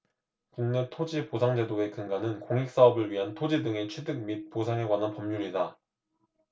국내 토지보상제도의 근간은 공익사업을 위한 토지 등의 취득 및 보상에 관한 법률이다